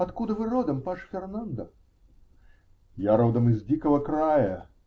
Откуда вы родом, паж Фернандо? -- Я родом из дикого края.